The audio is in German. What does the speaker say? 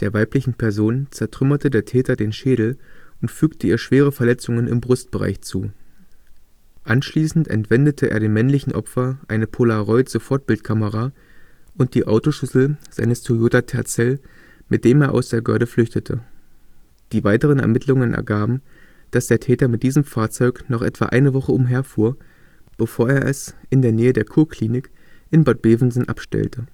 weiblichen Person zertrümmerte der Täter den Schädel und fügte ihr schwere Verletzungen im Brustbereich zu. Anschließend entwendete er dem männlichen Opfer eine Polaroid-Sofortbildkamera und die Autoschlüssel seines Toyota Tercel, mit dem er aus der Göhrde flüchtete. Die weiteren Ermittlungen ergaben, dass der Täter mit diesem Fahrzeug noch etwa eine Woche umherfuhr, bevor er es in der Nähe der Kurklinik in Bad Bevensen abstellte